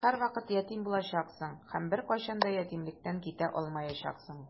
Син һәрвакыт ятим булачаксың һәм беркайчан да ятимлектән китә алмаячаксың.